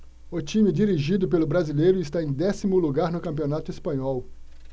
o time dirigido pelo brasileiro está em décimo lugar no campeonato espanhol